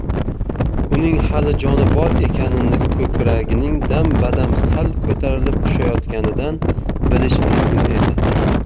uning hali joni bor ekanini ko'kragining dam badam sal ko'tarilib tushayotganidan bilish mumkin edi